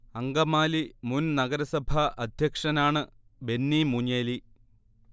അങ്കമാലി മുൻ നഗരസഭാ അധ്യക്ഷനാണ് ബെന്നി മൂഞ്ഞേലി